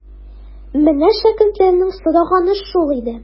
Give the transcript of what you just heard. Менә шәкертләрнең сораганы шул иде.